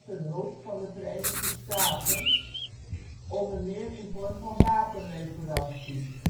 hulp van de Verenigde Staten, onder meer in vorm van wapenleveranties